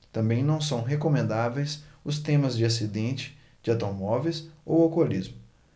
também não são recomendáveis os temas de acidentes de automóveis ou alcoolismo